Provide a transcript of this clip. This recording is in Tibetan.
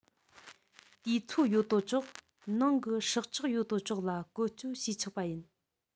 དུས ཚོད ཡོད དོ ཅོག ནང གི སྲོག ཆགས ཡོད དོ ཅོག ལ བཀོལ སྤྱོད བྱེད ཆོག པ ཡིན